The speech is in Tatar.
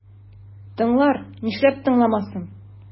Тыңлар, нишләп тыңламасын?